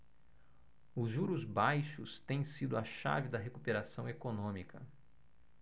os juros baixos têm sido a chave da recuperação econômica